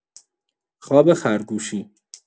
خواب خرگوشی